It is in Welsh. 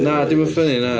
Na dydi o ddim yn funny na.